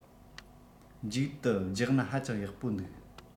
མཇུག ཏུ རྒྱག ན ཧ ཅང ཡག པོ འདུག